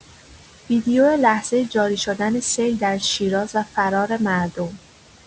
ویدئو لحظه جاری‌شدن سیل در شیراز و فرار مردم